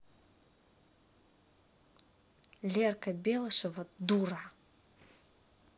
лерка белышева дура